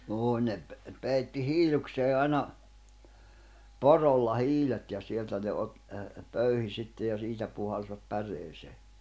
joo ne - peitti hiilukseen aina porolla hiilet ja sieltä ne --- pöyhi sitten ja siitä puhalsivat päreeseen